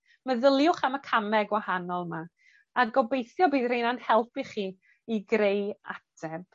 meddyliwch am y came gwahanol 'ma, a gobeithio bydd reina'n helpu chi i greu ateb.